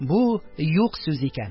Бу юк сүз икән!